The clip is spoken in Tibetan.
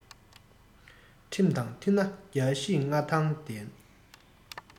ཁྲིམས དང མཐུན ན རྒྱལ གཞིས མངའ ཐང ལྡན